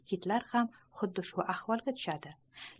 kitlar ham xuddi shu ahvolga tushadi